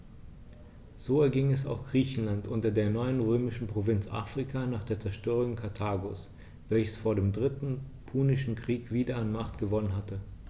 So erging es auch Griechenland und der neuen römischen Provinz Afrika nach der Zerstörung Karthagos, welches vor dem Dritten Punischen Krieg wieder an Macht gewonnen hatte.